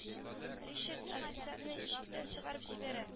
Ричард официантны ишектән чыгарып җибәрә